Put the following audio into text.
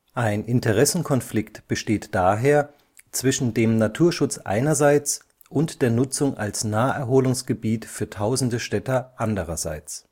Ein Interessenkonflikt besteht daher zwischen dem Naturschutz einerseits und der Nutzung als Naherholungsgebiet für tausende Städter andererseits